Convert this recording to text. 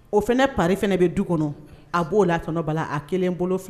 O fɛnɛ pari fɛnɛ bɛ du kɔnɔ a b'o la tonton Bala a 1 bolo f